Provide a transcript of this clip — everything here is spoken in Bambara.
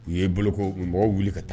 U ye boloko mɔgɔ wuli ka taa